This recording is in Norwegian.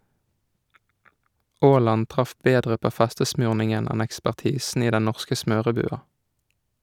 Aaland traff bedre på festesmurningen enn ekspertisen i den norske smørebua.